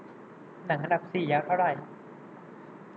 หนังอันดับสี่ยาวเท่าไหร่